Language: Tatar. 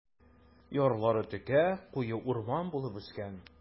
Ярлары текә, куе урман булып үскән.